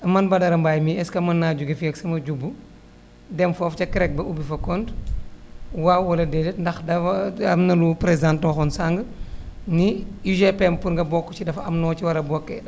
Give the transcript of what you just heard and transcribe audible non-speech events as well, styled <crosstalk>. man Badara Mbaye mii est ce que mën naa jóge fii ak sama jubbu dem foofu ca CREC ba ubbi fa compte waaw wala déedéet ndax dama <hesitation> am na lu présidente waxoon sànq ni UGPM pour nga bokk ci dafa am noo ci war a bokkee